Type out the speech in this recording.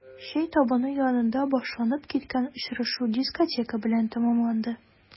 Чәй табыны янында башланып киткән очрашу дискотека белән тәмамланды.